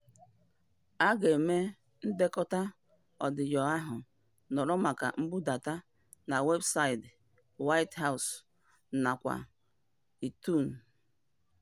A ga-eme ndekọta odiyo ahụ nọrọ maka mbudata na webụsaịtị White House nakwa iTunes.